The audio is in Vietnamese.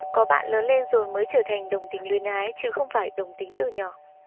có bạn lớn lên rồi mới trở thành đồng tính luyến ái chứ không phải đồng tính từ nhỏ